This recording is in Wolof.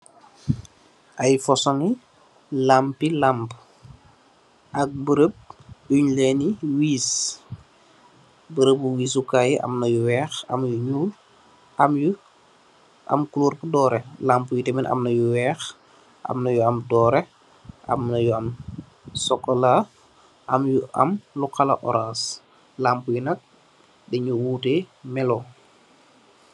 Ayy fasoni lampii lamp, ak beureub yungh lehn dii wiss, beureubu wissu kaii yii amna yu wekh, am yu njull, am yu am couleur bu dohreh, lampue yii tamit amna yu wekh, amna yu am dohreh, amna yu am chocolat, am yu am lu halah ohrance, lampue yii nak deh njur wuteh meloh.